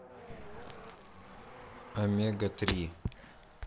омега три